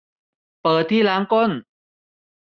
เปิดที่ล้างก้น